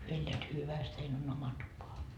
he elävät hyvästi heidän on oma tupa